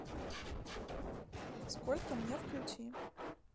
сколько мне включи